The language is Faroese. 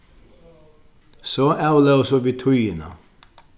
so avlósu vit tíðina